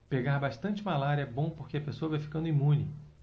pegar bastante malária é bom porque a pessoa vai ficando imune